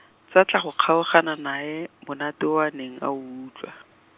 tsa tla go kgaogana nae, monate o a neng a o utlwa.